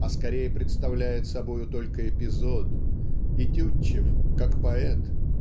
а скорее представляет собою только эпизод и Тютчев как поэт